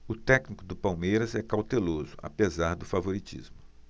o técnico do palmeiras é cauteloso apesar do favoritismo